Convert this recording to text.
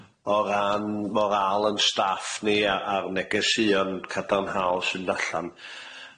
O ran moral yn staff ni a a'r negeseuon cadarnhaol sy'n allan.